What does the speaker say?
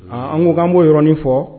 An ko kan bo yɔrɔ nin fɔ.